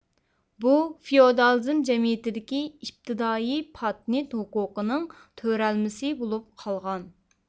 بۇ فېئودالىزم جەمئىيىتىدىكى ئىپتىدائىي پاتېنت ھوقۇقىنىڭ تۆرەلمىسى بولۇپ قالغان